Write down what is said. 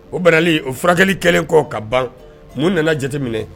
O bɛnli o furakɛli kɛlen kɔ ka ban mun nana jate minɛ